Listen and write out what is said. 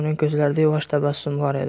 uning ko'zlarida yuvosh tabassum bor edi